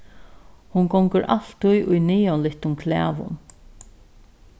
hon gongur altíð í neonlittum klæðum